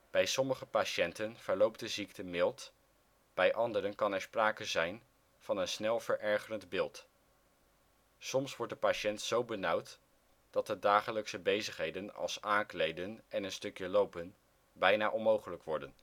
Bij sommige patiënten verloopt de ziekte mild, bij anderen kan er sprake zijn van een snel verergerend beeld. Soms wordt de patiënt zo benauwd, dat de dagelijkse bezigheden als aankleden en een stukje lopen bijna onmogelijk worden